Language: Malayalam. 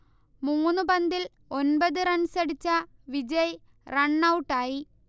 മൂന്നു പന്തിൽ ഒൻപത് റൺസടിച്ച വിജയ് റൺഔട്ടായി